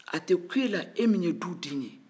a tɛ kun e la e min ye duden ye